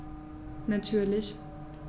Natürlich.